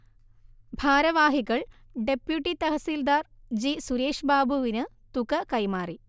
ഭാരവാഹികൾ deputy tahsildar G സുരേഷ്ബാബുവിന് തുക കൈമാറി